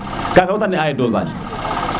kaga o te neʼa dosage